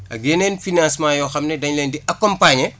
ak yeneen financement yoo xam ne dañ leen di accompagner